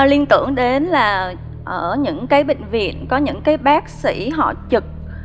liên tưởng đến là ở những cái bệnh viện có những cái bác sĩ họ trực